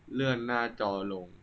เลื่อนหน้าจอลง